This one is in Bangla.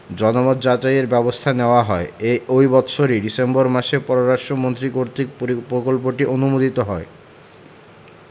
জনমত যাচাইয়ের ব্যবস্থা নেওয়া হয় ঐ বৎসরই ডিসেম্বর মাসে পররাষ্ট্র মন্ত্রী কর্তৃক প্রকল্পটি অনুমোদিত হয়